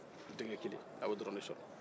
denkɛ kelen a y'o dɔrɔn de sɔrɔ